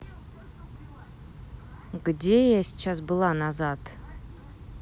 где я сейчас была назад